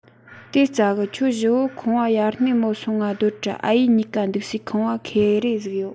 དེ སྩ གི ཁྱོད བཞི བོ ཁང བ ཡར སྣེ མོ སོང ང སྡོད དྲ ཨ ཡེས གཉིས ཀ འདུག སའི ཁང བ ཁེར རེ ཟིག ཡོད